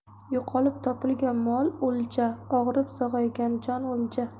yo'qolib topilgan mol o'lja og'rib sog'aygan jon o'lja